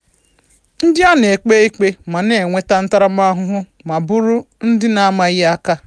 Ndị a na-ekpe ikpe ma na-eweta ntaramahụhụ ma bụrụ ndị a na-amaghị aka.